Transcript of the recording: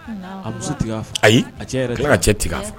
A ayi a tila ka cɛ tigɛ'